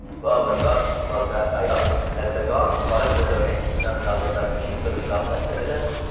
sipo va yosh bolgar ayol kattakon qora ko'zoynak ustidan zalga vazmin bir nigoh tashladi da